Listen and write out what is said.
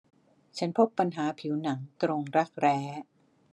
ฉันพบปัญหาผิวหนังตรงรักแร้